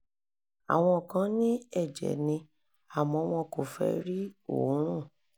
Àwọn kan ní ẹ̀jẹ̀ ni àmọ́ wọn kò fẹ́ rí oòrùn